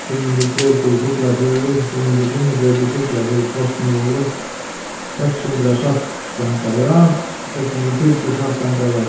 fimm hundrað og tretivu fuglafjørður fimm hundrað og fimmogtretivu fuglafjørður postsmogur seks hundrað seks hundrað og tíggju saltangará